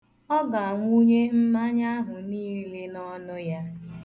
Ọ ga-awụnye mmanya ahụ niile n'ọnụ ya.